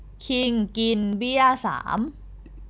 คิงกินเบี้ยสาม